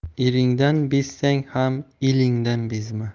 eringdan bezsang ham elingdan bezma